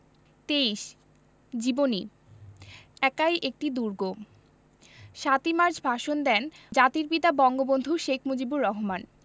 ২৩ জীবনী একাই একটি দুর্গ ৭ই মার্চ ভাষণ দেন জাতির পিতা বঙ্গবন্ধু শেখ মুজিবুর রহমান